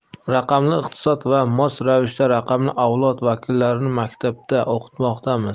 raqamli iqtisod va mos ravishda raqamli avlod vakillarini maktabda o'qitmoqdamiz